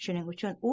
shuning uchun ham